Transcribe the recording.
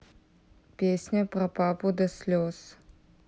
песня про папу до слез